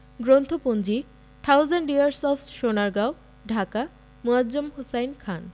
গ্রন্থপঞ্জিঃ thousand years of Sonargaon Dhaka মুয়ায্ যম হুসাইন খান